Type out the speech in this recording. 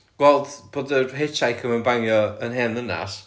gweld bod yr hitchhiker mae'n bangio yn hen ddynas